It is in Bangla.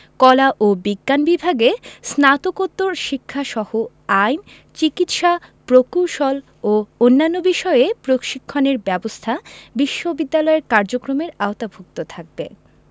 কলা ও বিজ্ঞান বিভাগে স্নাতকোত্তর শিক্ষাসহ আইন চিকিৎসা প্রকৌশল ও অন্যান্য বিষয়ে প্রশিক্ষণের ব্যবস্থা বিশ্ববিদ্যালয়ের কার্যক্রমের আওতাভুক্ত থাকবে